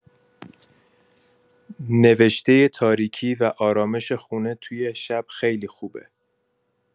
نوشته تاریکی و آرامش خونه توی شب خیلی خوبه.